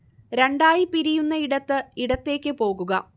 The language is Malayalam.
രണ്ടായി പിരിയുന്നയിടത്ത് ഇടത്തേക്ക് പോകുക